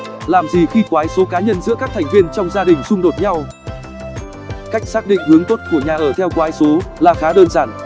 làm gì khi quái số cá nhân giữa các thành viên trong gia đình xung đột nhau cách xác định hướng tốt của nhà ở theo quái số là khá đơn giản